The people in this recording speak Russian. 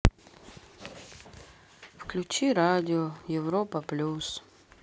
включи радио европа плюс